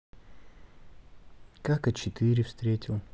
как а четыре встретил